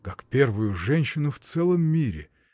— Как первую женщину в целом мире!